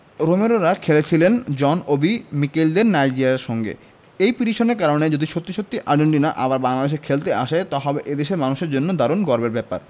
রোমেরোরা খেলেছিলেন John Obi মিকেলদের নাইজেরিয়ার সঙ্গে এই পিটিশনের কারণে যদি সত্যি সত্যিই আর্জেন্টিনা আবার বাংলাদেশে খেলতে আসে তা হবে এ দেশের মানুষের জন্য দারুণ গর্বের ব্যাপার